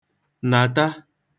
nàta